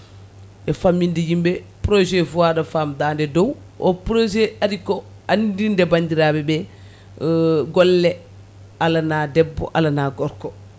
e famminde yimɓe projet voix de femme dande dow o projet aari ko andinde bandiraɓeɓe golle ala debbo ala gorko